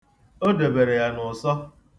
O debere ya n'ụsọ.